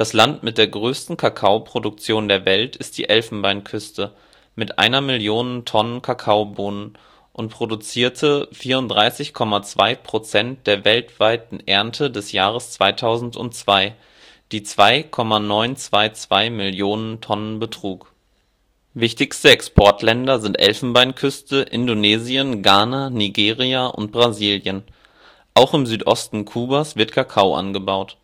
Land mit der größten Kakaoproduktion der Welt ist die Elfenbeinküste mit 1 Mio. Tonnen Kakaobohnen und produziert 34,2 % der weltweiten Ernte des Jahres 2002, die 2,922 Mio. Tonnen betrug. Weitere wichtige Kakao-Produzenten 2002 sind: Indonesien 450 000 t Ghana 380 000 t Nigeria 340 000 t Brasilien 175 000 t Kamerun 125 000 t Ecuador 88 000 t Dominikanische Republik 50 000 t Malaysia 48 000 t Kolumbien 48 000 t. Wichtigste Exportländer sind Elfenbeinküste, Indonesien, Ghana, Nigeria und Brasilien. Auch im Südosten Kubas wird Kakao angebaut